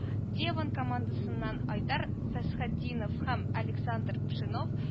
Девон командасыннан Айдар Фәсхетдинов һәм Александр Пшенов